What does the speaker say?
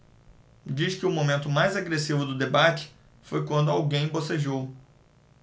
diz que o momento mais agressivo do debate foi quando alguém bocejou